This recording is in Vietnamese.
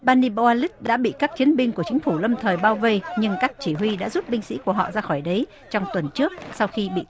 ba ni boi lích đã bị các chiến binh của chính phủ lâm thời bao vây nhưng các chỉ huy đã rút binh sĩ của họ ra khỏi đây trong tuần trước sau khi bị